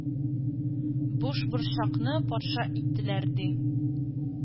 — бушборчакны патша иттеләр, ди.